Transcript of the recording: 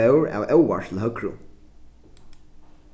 hon fór av óvart til høgru